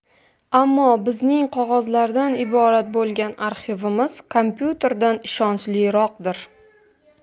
ammo bizning qog'ozlardan iborat bo'lgan arxivimiz kompyuterdan ishonchliroqdir